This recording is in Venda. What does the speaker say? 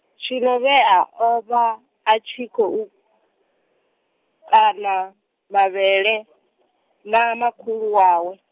Tshinovhea o vha, a tshi khou, kana, mavhele , na makhulu wawe.